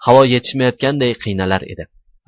havo yetishmayotgandek qiynalar edi